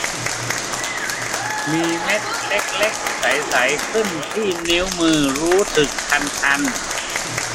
มีเม็ดเล็กเล็กใสใสขึ้นที่นิ้วมือรู้สึกคันคัน